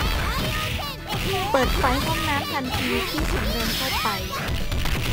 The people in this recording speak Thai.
เปิดไฟห้องน้ำทันทีที่ฉันเดินเข้าไป